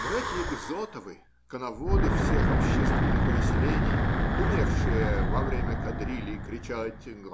Братья Изотовы, коноводы всех общественных увеселений, умевшие во время кадрили кричать